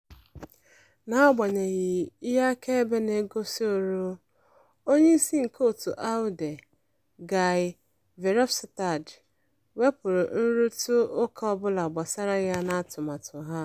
N’agbanyeghị ihe akaebe na-egosi ụrụ, onye isi nke otu ALDE, Guy Verhofstadt wepụrụ nrụrịtaụka ọbụla gbasara ya n’atụmatụ ha.